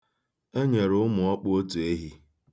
E nyere ụmụ̀ọkpụ̄ otu ehi.